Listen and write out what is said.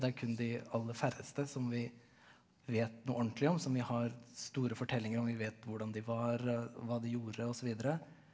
det er kun de aller færreste som vi vet noe ordentlig om, som vi har store fortellinger om, vi vet hvordan de var, hva de gjorde og så videre.